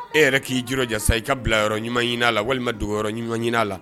E yɛrɛ k'i juru ja sa i ka bila yɔrɔ ɲumanɲ a la walima dugaw yɔrɔ ɲuman ɲinin a la